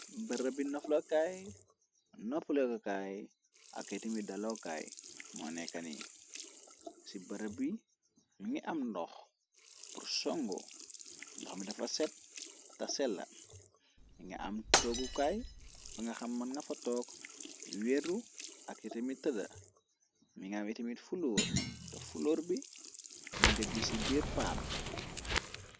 Barab bi noflokaay nopplokokaay ak iti mi da lokaay moo nekkan yi ci barab bi mi ngi am ndox pursongo ndox mi dafa set ta sela mi nga am toogukaay fa nga xam man nga fa toog weru ak iti mi tëda mi ngaam itimit fuloor te fuloor bi ñi nga ji ci biir paam.